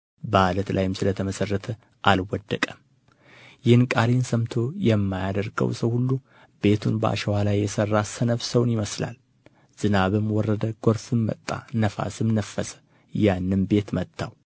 በዓለት ላይም ስለ ተመሠረተ አልወደቀም ይህንም ቃሌን ሰምቶ የማያደርገው ሰው ሁሉ ቤቱን በአሸዋ ላይ የሠራ ሰነፍ ሰውን ይመስላል ዝናብም ወረደ ጎርፍም መጣ ነፋስም ነፈሰ ያንም ቤት መታው